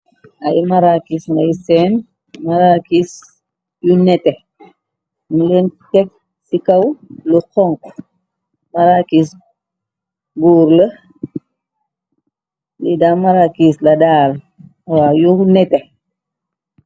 Ay marakis ngay seen marakis yu neté nu leen teg ci kaw lu xonku marakis guur la lidaal marakis la daal wa yu neté.